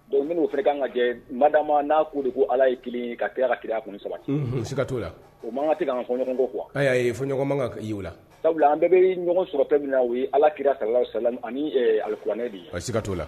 Bon minnu'o fana ka kan ka jɛ mada ma n'a' de ko ala ye kelen ka kɛ ka ki kun sabasi ka t'o la o man ka tɛ an fɔ ɲɔgɔn ko kuwa ayi y'a ye fɔ ɲɔgɔnma kan y' u la sabula an bɛɛ bɛ ɲɔgɔn sɔrɔ min na u ye ala kira sala sa ani alikuranɛ bi pasika ka'o la